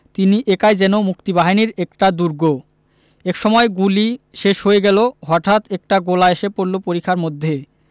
তিনি একাই যেন মুক্তিবাহিনীর একটা দুর্গ একসময় গুলি শেষ হয়ে গেল হঠাৎ একটা গোলা এসে পড়ল পরিখার মধ্যে